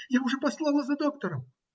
Я уже послала за доктором.